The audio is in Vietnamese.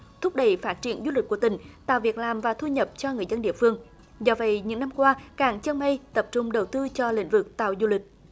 thúc đẩy phát triển du lịch của tỉnh tạo việc làm và thu nhập cho người dân địa phương do vậy những năm qua cảng chân mây tập trung đầu tư cho lĩnh vực tàu du lịch